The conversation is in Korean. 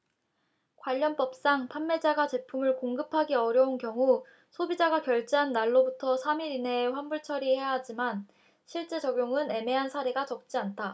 관련법상 판매자가 제품을 공급하기 어려운 경우 소비자가 결제한 날로부터 삼 일 이내에 환불처리해야 하지만 실제 적용은 애매한 사례가 적지 않다